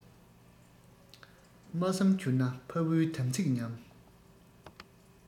མ བསམས གྱུར ན ཕ བུའི དམ ཚིགས ཉམས